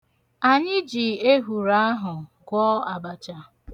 Anyị ji ehuru ahụ gwọọ abacha.